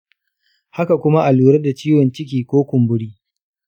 haka kuma a lura da ciwon ciki ko kumburi